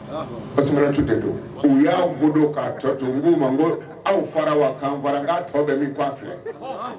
Tu de don u y'a don k'' aw fara wa' filɛ